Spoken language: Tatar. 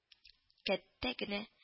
Кәттә генә